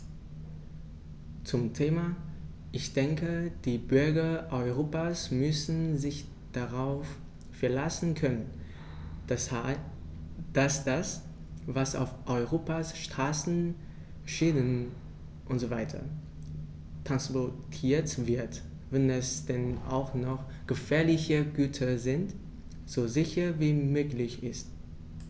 Zum Thema: Ich denke, die Bürger Europas müssen sich darauf verlassen können, dass das, was auf Europas Straßen, Schienen usw. transportiert wird, wenn es denn auch noch gefährliche Güter sind, so sicher wie möglich ist.